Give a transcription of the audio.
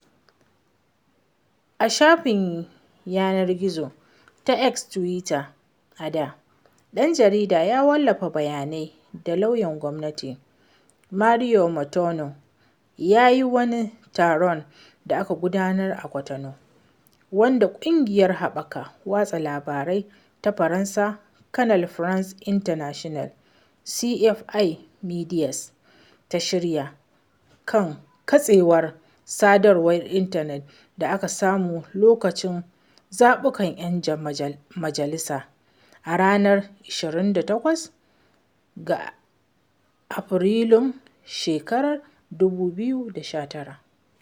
A shafin yanar gizo na X (Twitter a da), ɗan jarida ya wallafa bayanai da lauyan gwamnati, Mario Metonou, yayi a wani taron da aka gudanar a Kwatano, wanda ƙungiyar haɓaka watsa labarai ta Faransa, Canal France International (CFI Médias) ta shirya, kan katsewar sadarwar intanet da aka samu a lokacin zaɓukan 'yan majalisa a ranar 28 ga Afrilun shekarar 2019.